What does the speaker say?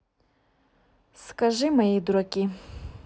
скажи мои дураки